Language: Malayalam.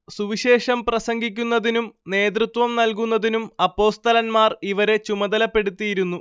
സുവിശേഷം പ്രസംഗിക്കുന്നതിനും നേതൃത്വം നല്കുന്നതിനും അപ്പോസ്തലൻമാർ ഇവരെ ചുമതലപ്പെടുത്തിയിരുന്നു